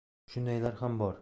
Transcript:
shundaylar ham bor